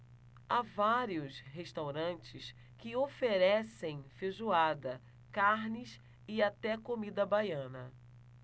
há vários restaurantes que oferecem feijoada carnes e até comida baiana